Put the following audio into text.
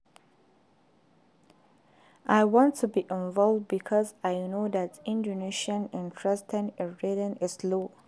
I wanted to be involved because I know that Indonesians’ interest in reading is low.